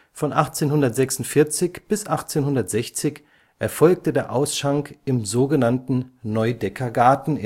Von 1846 bis 1860 erfolgte der Ausschank im so genannten Neudecker Garten